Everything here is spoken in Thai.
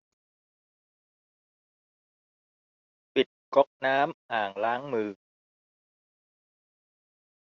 ปิดก๊อกน้ำน้ำอ่างล้างมือ